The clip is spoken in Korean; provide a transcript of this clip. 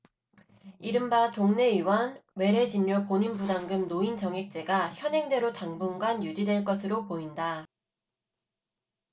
이른바 동네의원 외래진료 본인부담금 노인정액제가 현행대로 당분간 유지될 것으로 보인다